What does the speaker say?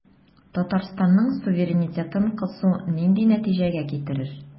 Татарстанның суверенитетын кысу нинди нәтиҗәгә китерер?